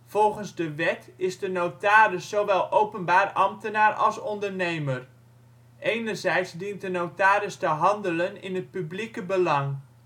Volgens de wet is de notaris zowel openbaar ambtenaar als ondernemer. Enerzijds dient de notaris te handelen in het publieke belang